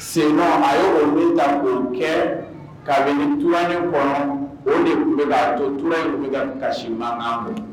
Sennɔ a y'o min ta ka kɛ kabini ntugani kɔnɔ o de tun bɛ k'a to ntugan in tun bɛ ka kasimankan bɔ